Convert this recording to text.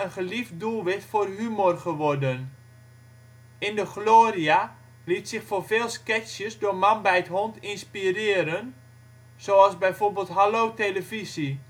geliefd doelwit voor humor geworden. In de gloria liet zich voor veel sketches door Man bijt hond inspireren, zoals bijvoorbeeld " Hallo Televisie